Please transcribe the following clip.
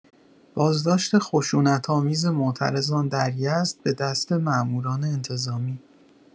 بازداشت خشونت‌آمیز معترضان در یزد به دست ماموران انتظامی